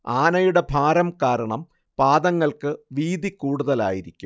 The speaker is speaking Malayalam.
ആനയുടെ ഭാരം കാരണം പാദങ്ങൾക്ക് വീതി കൂടുതലായിരിക്കും